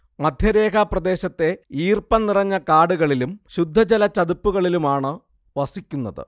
മധ്യരേഖാപ്രദേശത്തെ ഈർപ്പം നിറഞ്ഞ കാടുകളിലും ശുദ്ധജലചതുപ്പുകളിലുമാണ് വസിക്കുന്നത്